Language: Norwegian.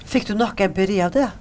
fikk du nok empiri av det?